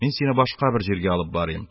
Мин сине башка бер җиргә алып барыйм.